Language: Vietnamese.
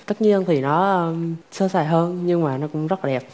tất nhiên thì nó sơ sài hơn nhưng mà nó cũng rất là đẹp